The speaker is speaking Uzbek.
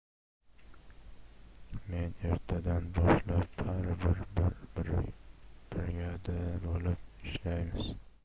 men ertadan boshlab barimiz bir brigada bo'lib ishlaymiz